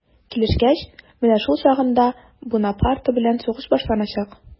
Килешкәч, менә шул чагында Бунапарте белән сугыш башланачак.